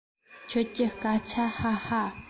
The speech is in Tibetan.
ཁྱོད ཀྱི སྐད ཆ ཧ ཧ